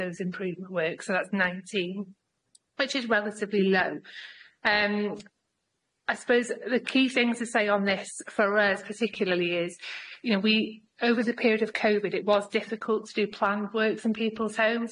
those improvement works so that's nineteen, which is relatively low erm I suppose the key thing to say on this for us particularly is you know we over the period of covid it was difficult to do planned work from people's homes.